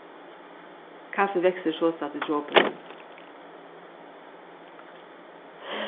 kaffi veksur sostatt í tropunum